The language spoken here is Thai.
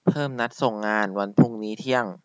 เพิ่มนัดส่งงานวันพรุ่งนี้เที่ยง